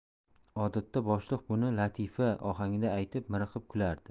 odatda boshliq buni latifa ohangida aytib miriqib kulardi